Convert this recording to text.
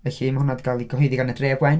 Felly mae hwnna wedi cael ei gyhoeddi gan y Dref Wen.